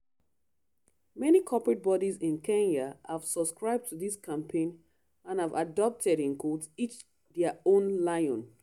Many corporate bodies in Kenya have subscribed to this campaign and have ‘adopted’ each their own lion.